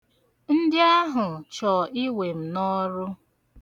Ndị ahụ chọ iwe m n'ọrụ.